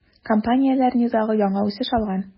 Компанияләр низагы яңа үсеш алган.